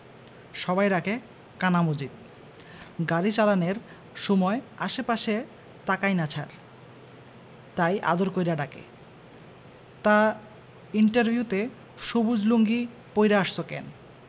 সবাই ডাকে কানা মজিদ গাড়ি চালানের সুমায় আশে পাশে তাকাইনা ছার তাই আদর কইরা ডাকে... তা ইন্টারভিউ তে সবুজ লুঙ্গি পইড়া আসছো কেন